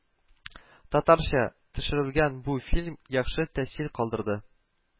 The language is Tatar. Татарча төшерелгән бу фильм яхшы тәэсир калдырды